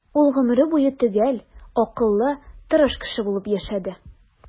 Ул гомере буе төгәл, акыллы, тырыш кеше булып яшәде.